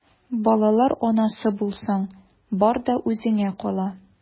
Балалар анасы булсаң, бар да үзеңә кала...